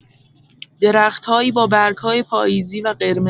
درخت‌هایی با برگ‌های پاییزی و قرمز